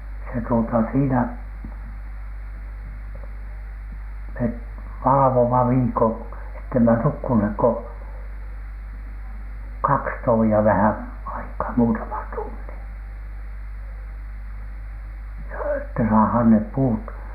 ja se tuota siinä me valvomme viikon että emme nukkuneet kuin kaksi tovia vähän aikaa muutaman tunnin joo että saadaan ne puut